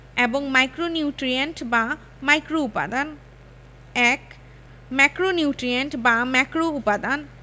এবং মাইক্রোনিউট্রিয়েন্ট বা মাইক্রোউপাদান ১ ম্যাক্রোনিউট্রিয়েন্ট বা ম্যাক্রোউপাদান